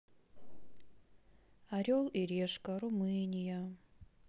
орел и решка румыния